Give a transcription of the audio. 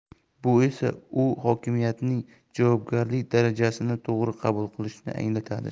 bu esa u hokimiyatning javobgarlik darajasini to'g'ri qabul qilishini anglatadi